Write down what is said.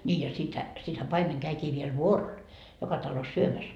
niin ja sittenhän sittenhän paimen kävikin vielä vuorolla joka talossa syömässä